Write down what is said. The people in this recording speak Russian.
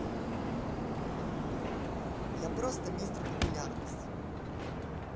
я просто mister популярность